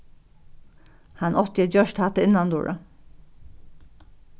hann átti at gjørt hatta innandura